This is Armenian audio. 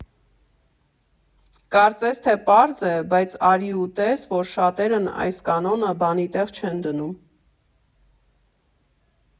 Կարծես թե պարզ է, բայց արի ու տես, որ շատերն այս կանոնը բանի տեղ չեն դնում։